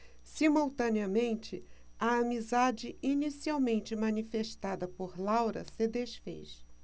simultaneamente a amizade inicialmente manifestada por laura se disfez